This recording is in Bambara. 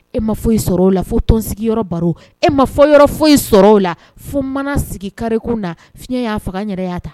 E ma foyi sɔrɔ la fo tɔnon sigiyɔrɔ baro e ma fɔ foyi sɔrɔ la fo mana sigi kariku na fiɲɛ y'a faga yɛrɛ y'a ta